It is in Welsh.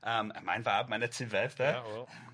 Yym a mae'n fab, mae'n etifed de? Ia wel.